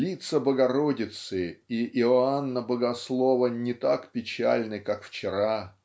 лица Богородицы и Иоанна Богослова не так печальны, как вчера.